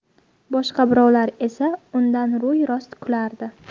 boshqa birovlar esa undan ro'yirost kulardi